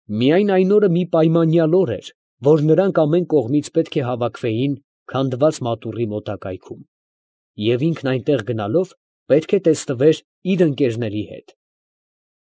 Միայն այն օրը մի պայմանյալ օր էր, որ նրանք ամեն կողմից պետք է հավաքվեին «քանդված մատուռի» մոտակայքում, և ինքն այնտեղ գնալով, պետք է տեսնվեր իր ընկերների հետ։